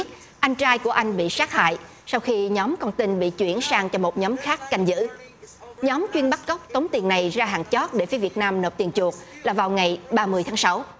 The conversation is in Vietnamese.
anh trai của anh bị sát hại sau khi nhóm con tin bị chuyển sang cho một nhóm khác canh giữ nhóm chuyên bắt cóc tống tiền này ra hạn chót để phía việt nam nộp tiền chuộc là vào ngày ba mươi tháng sáu